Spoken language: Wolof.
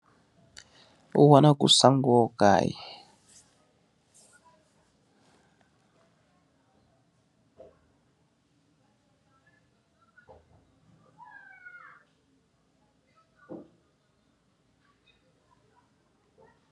Wanagu sangooh kaay.